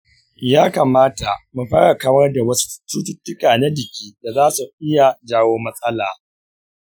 ya kamata mu fara kawar da wasu cututtuka na jiki da zasu iya jawo matsala.